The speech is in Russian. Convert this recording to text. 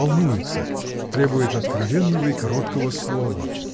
волнуется, требует откровенного и короткого слова.